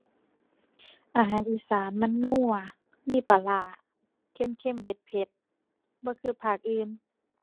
อาหารอีสานมันนัว มีปลาร้า เค็มเค็ม เผ็ดเผ็ด บ่คือภาคอื่น